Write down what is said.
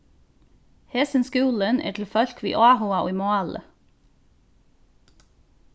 hesin skúlin er til fólk við áhuga í máli